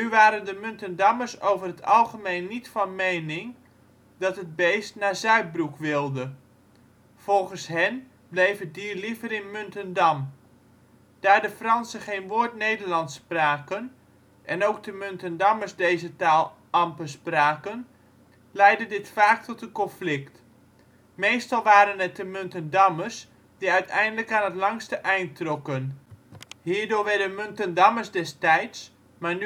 waren de Muntendammers over het algemeen niet van mening, dat het beest naar Zuidbroek wilde. Volgens hen, bleef het dier liever in Muntendam. Daar de Fransen geen woord Nederlands spraken, en ook de Muntendammers deze taal amper spraken, leidde dit vaak tot een conflict. Meestal waren het de Muntendammers, die uiteindelijk aan het langste eind trokken. Hierdoor werden Muntendammers destijds, maar